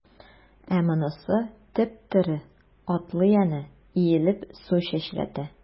Ә монысы— теп-тере, атлый әнә, иелеп су чәчрәтә.